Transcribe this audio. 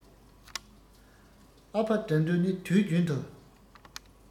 ཨ ཕ དགྲ འདུལ ནི དུས རྒྱུན དུ